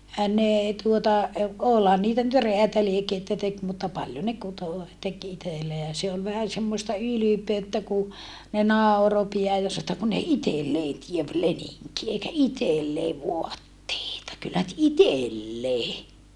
ne tuota olihan niitä nyt räätäleitäkin että teki mutta paljon ne kutoi teki itselleen ja se oli vähän semmoista ylpeyttä kun ne nauroi pian ja sanoi että kun ei itselleen tee leninkiä eikä itselleen vaatteita kyllä nyt itselleen